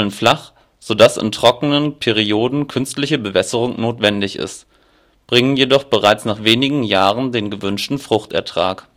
flach, sodass in trockenen Perioden künstliche Bewässerung notwendig ist, bringen jedoch bereits nach wenigen Jahren den gewünschten Fruchtertrag